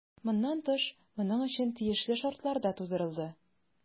Моннан тыш, моның өчен тиешле шартлар да тудырылды.